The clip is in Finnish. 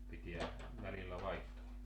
pitää välillä vaihtaa